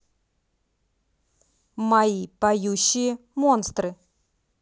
мои поющие монстры